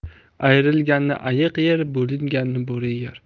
ayrilganni ayiq yer bo'linganni bo'ri yer